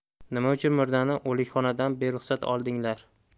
nima uchun murdani o'likxonadan beruxsat oldinglar